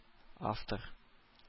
Автор